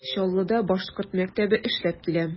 Чаллыда башкорт мәктәбе эшләп килә.